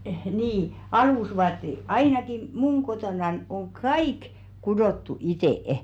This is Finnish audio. niin alusvaatteet ainakin minun kotonani on kaikki kudottu itse